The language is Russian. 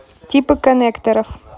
типы коннекторов